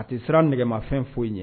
A tɛ siran nɛgɛmafɛn foyi ye